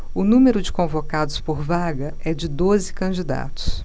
o número de convocados por vaga é de doze candidatos